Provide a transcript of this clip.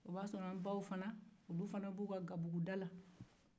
a b'a sɔrɔ an baw fana b'u ka gabuguda la